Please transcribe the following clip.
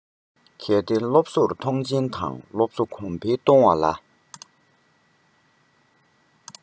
གལ ཏེ སློབ གསོར མཐོང ཆེན དང སློབ གསོ གོང འཕེལ གཏོང བ ལ